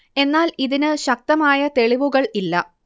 എന്നാൽ ഇതിന് ശക്തമായ തെളിവുകൾ ഇല്ല